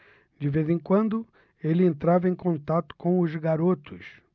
de vez em quando ele entrava em contato com os garotos